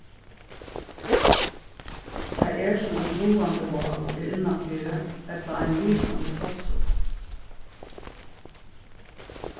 tað er sum eitt logandi bál er innanfyri ella ein lýsandi fossur